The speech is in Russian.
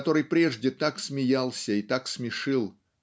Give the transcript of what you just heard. который прежде так смеялся и так смешил